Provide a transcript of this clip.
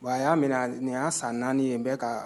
Wa a y'a minɛ nin y'a san naani ye n bɛɛ ka